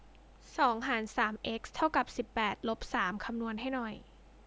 สองหารสามเอ็กซ์เท่ากับสิบแปดลบสามคำนวณให้หน่อย